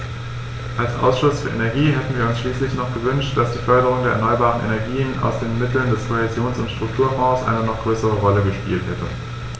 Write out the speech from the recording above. Als Ausschuss für Energie hätten wir uns schließlich noch gewünscht, dass die Förderung der erneuerbaren Energien aus den Mitteln des Kohäsions- und Strukturfonds eine noch größere Rolle gespielt hätte.